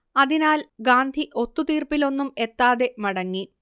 അതിനാൽ ഗാന്ധി ഒത്തുതീർപ്പിലൊന്നും എത്താതെ മടങ്ങി